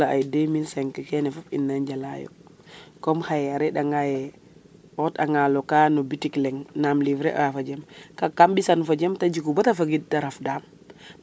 wala ay 2005 kene fop ina njala yo comme xaye a re anga ye o xot anga le cas no boutique leng wan livrer a fojem kaga kam mbisan fojem bata fagiɗ te ref dam